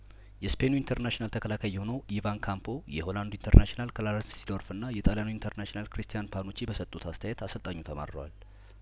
የስፔኑ ኢንተርናሽናል ተከላካይየሆነው ኢቫን ካምፖ የሆላንዱ ኢንተርናሽናል ክላረንስ ሲዶር ፍና የጣልያኑ ኢንተርናሽናል ክሪስቲያን ፓኑቺ በሰጡት አስተያየት አሰልጣኙ ተማረዋል